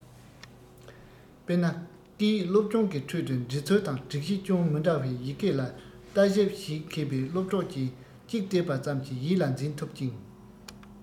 དཔེར ན སྐད ཡིག སློབ སྦྱོང གི ཁྲོད དུ འབྲི ཚུལ དང སྒྲིག གཞི ཅུང མི འདྲ བའི ཡི གེ ལ ལྟ ཞིབ བྱེད མཁས པའི སློབ གྲོགས ཀྱིས གཅིག བལྟས པ ཙམ གྱིས ཡིད ལ འཛིན ཐུབ ཅིང